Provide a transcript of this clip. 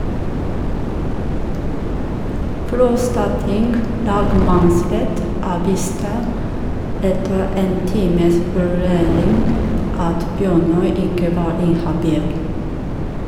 Frostating lagmannsrett avviste etter en times vurdering at Bjørnøy ikke var inhabil.